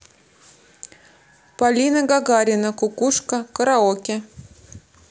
полина гагарина кукушка караоке